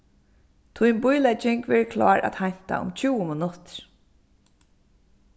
tín bílegging verður klár at heinta um tjúgu minuttir